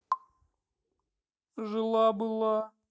жила была